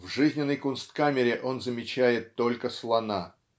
В жизненной кунсткамере он замечает только слона